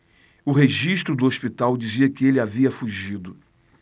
o registro do hospital dizia que ele havia fugido